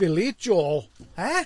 Billy Joel, eh?